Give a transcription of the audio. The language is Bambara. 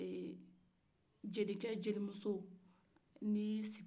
jeli cɛ jeli muso